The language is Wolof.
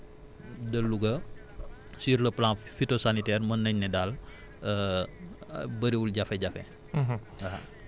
au niveau de Louga sur le plan phytosanitaire mën nañu ne daal bëriwul jafe-jafe